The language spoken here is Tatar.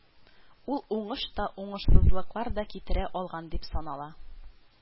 Ул уңыш та, уңышсызлыклар да китерә алган дип санала